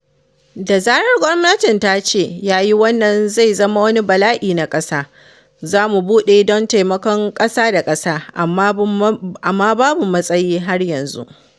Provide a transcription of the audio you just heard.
Da zarar gwamnatin ta ce, “Ya yi, wannan zai zama wani bala’i na ƙasa,” za mu buɗe don taimakon ƙasa-da-ƙasa amma babu matsayin har yanzu.”